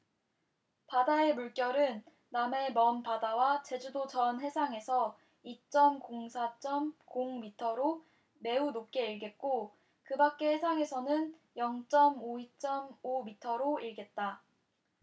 바다의 물결은 남해 먼바다와 제주도 전 해상에서 이 쩜 공 사 쩜 공 미터로 매우 높게 일겠고 그 밖의 해상에서는 영 쩜 오 이 쩜 오 미터로 일겠다